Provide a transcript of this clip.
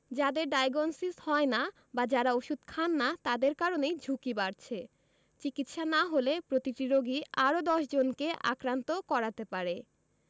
যাদের ডায়াগনসিস হয় না বা যারা ওষুধ খান না তাদের কারণেই ঝুঁকি বাড়ছে চিকিৎসা না হলে প্রতিটি রোগী আরও ১০ জনকে আক্রান্ত করাতে পারে